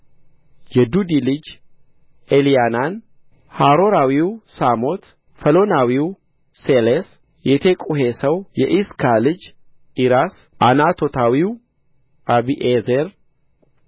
የዱዲ ልጅ ኤልያናን ሃሮራዊው ሳሞት ፈሎናዊው ሴሌስ የቴቁሔ ሰው የዒስካ ልጅ ዒራስ ዓናቶታዊው አቢዔዜር